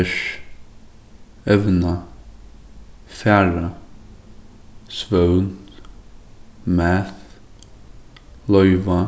vers evna fara svøvn math loyva